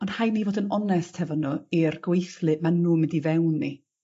Ond rhai' ni fod yn onest hefo n'w i'r gweithlu ma' n'w mynd i fewn i